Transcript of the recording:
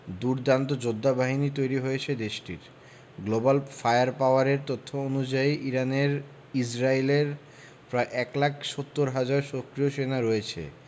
দুর্দান্ত যোদ্ধাবাহিনী তৈরি হয়েছে দেশটির গ্লোবাল ফায়ার পাওয়ারের তথ্য অনুযায়ী ইরানের ইসরায়েলের প্রায় ১ লাখ ৭০ হাজার সক্রিয় সেনা রয়েছে